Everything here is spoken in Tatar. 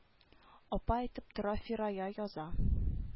Апа әйтеп тора фирая яза